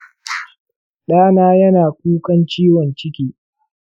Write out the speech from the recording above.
ɗana yana kukan ciwon ciki.